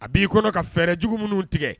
A b'i kɔnɔ ka fɛɛrɛ jugu minnu tigɛ